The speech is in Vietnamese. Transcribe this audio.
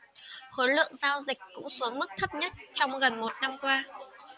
khối lượng giao dịch cũng xuống mức thấp nhất trong gần một năm qua